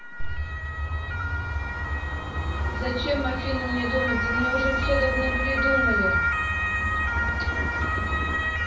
зачем афина мне думать за меня уже все давно придумали